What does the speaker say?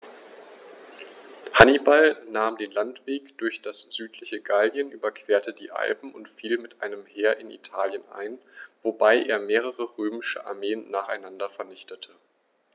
Hannibal nahm den Landweg durch das südliche Gallien, überquerte die Alpen und fiel mit einem Heer in Italien ein, wobei er mehrere römische Armeen nacheinander vernichtete.